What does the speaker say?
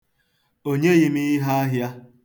O nyeghị m iheahịa.